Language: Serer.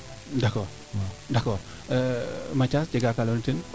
d' accord Mathiase jega kaa leyoona teen